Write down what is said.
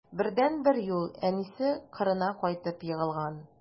Бердәнбер юл: әнисе кырына кайтып егылган.